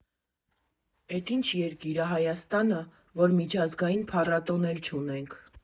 Էդ ի՞նչ երկիր ա Հայաստանը, որ միջազգային փառատոն էլ չունեք։